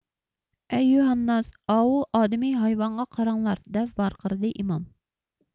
ئەييۇھەنناس ئاۋۇ ئادىمىي ھايۋانغا قاراڭلار دەپ ۋارقىرىدى ئىمام